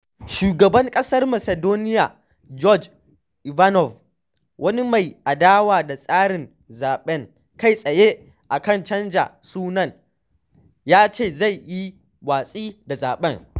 Shugaban Ƙasar Macedonia Gjorge Ivanov, wani mai adawa da tsarin zaɓen kai tsaye a kan canza sunan, ya ce zai yi watsi da zaɓen.